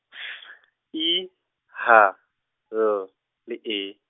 F I H L le E.